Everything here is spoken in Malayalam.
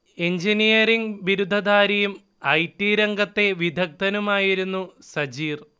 എഞ്ചിനീയറിംങ് ബിരുദധാരിയും ഐ. ടി രംഗത്തെ വിദഗ്ദനുമായിരുന്നു സജീർ